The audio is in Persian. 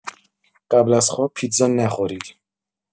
قبل از خواب پیتزا نخورید!